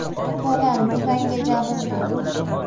bolam buvangga jabr bo'ldi